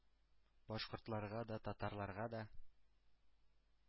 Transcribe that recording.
Башкортларга да, татарларга да.